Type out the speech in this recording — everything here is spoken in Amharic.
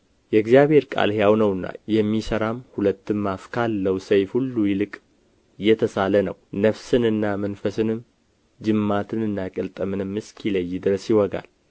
የእግዚአብሔር ቃል ሕያው ነውና የሚሠራም ሁለትም አፍ ካለው ሰይፍ ሁሉ ይልቅ የተሳለ ነው ነፍስንና መንፈስንም ጅማትንና ቅልጥምንም እስኪለይ ድረስ ይወጋል